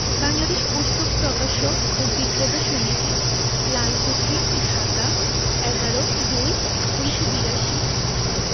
বাংলাদেশ পুস্তক প্রকাশক ও বিক্রেতা সমিতি লালকুঠি ঢাকা ১১/০২/১৯৮২